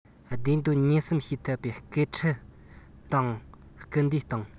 བདེ སྡོད ཉེན བསམ བྱེད ཐུབ པའི སྣེ ཁྲིད དང སྐུལ འདེད བཏང